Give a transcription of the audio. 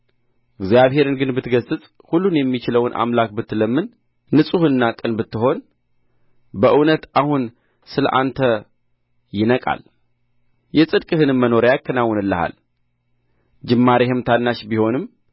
እግዚአብሔርን ብትገሠግሥ ሁሉንም የሚችለውን አምላክ ብትለምን ንጹሕና ቅን ብትሆን በእውነት አሁን ስለ አንተ ይነቃል የጽድቅህንም መኖሪያ ያከናውንልሃል ጅማሬህ ታናሽ ቢሆንም